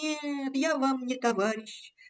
Нет, я вам не товарищ.